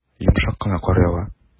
Йомшак кына кар ява.